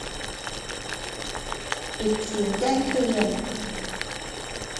ปิดเสียงแจ้งเตือน